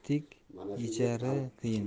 etik yechari qiyin